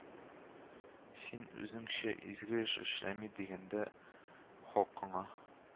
Син үзеңчә изге эш эшлим дигәндә халкыңа